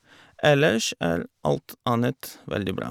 Ellers er alt annet veldig bra.